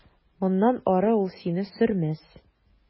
Моннан ары ул сине сөрмәс.